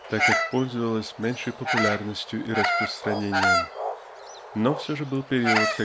так как пользовалось меньшей популярностью и распространением. Но все же был период